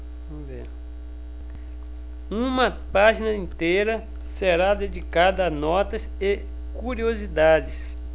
uma página inteira será dedicada a notas e curiosidades